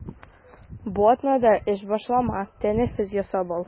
Бу атнада эш башлама, тәнәфес ясап ал.